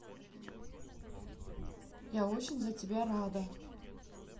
я очень за тебя рада